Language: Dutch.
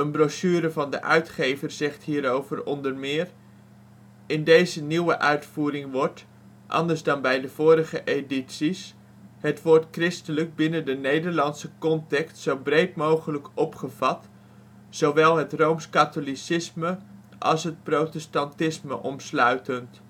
brochure van de uitgever zegt hierover o.m.: " In deze nieuwe uitvoering wordt, anders dan bij de vorige edities, het woord christelijk binnen de Nederlandse context zo breed mogelijk opgevat, zowel het rooms-katholicisme als het protestantisme omsluitend